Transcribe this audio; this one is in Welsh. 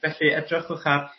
felly edrychwch ar